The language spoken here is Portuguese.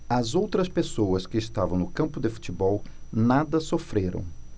as outras pessoas que estavam no campo de futebol nada sofreram